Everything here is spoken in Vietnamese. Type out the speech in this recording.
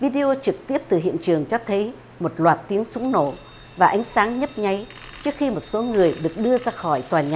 vi đê ô trực tiếp từ hiện trường cho thấy một loạt tiếng súng nổ và ánh sáng nhấp nháy trước khi một số người được đưa ra khỏi tòa nhà